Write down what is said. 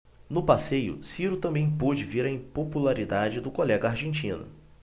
no passeio ciro também pôde ver a impopularidade do colega argentino